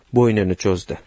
bo'ynini cho'zdi